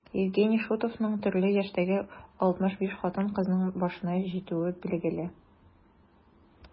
Евгений Шутовның төрле яшьтәге 65 хатын-кызның башына җитүе билгеле.